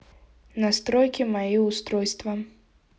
настройки мои устройства